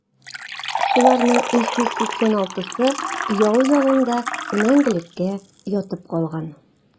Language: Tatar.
Шуларның 386-сы яу яланында мәңгелеккә ятып калган.